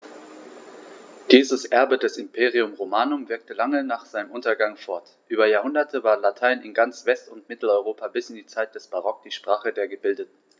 Dieses Erbe des Imperium Romanum wirkte lange nach seinem Untergang fort: Über Jahrhunderte war Latein in ganz West- und Mitteleuropa bis in die Zeit des Barock die Sprache der Gebildeten.